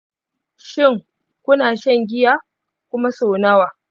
shin, kuna shan giya kuma sau nawa?